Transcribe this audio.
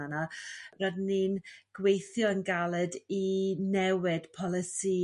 yna rydyn ni'n gweithio yn galed i newid polisi